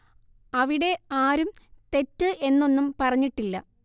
അവിടെ ആരും തെറ്റ് എന്നൊന്നും പറഞ്ഞിട്ടില്ല